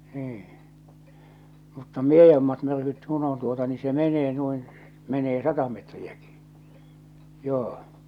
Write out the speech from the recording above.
niin mutta miedommat myrkyt kun on tuota niin se menee noin menee sata metriäkin joo